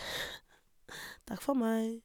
Takk for meg.